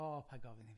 O, paid gofyn i.